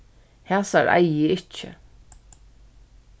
hasar eigi eg ikki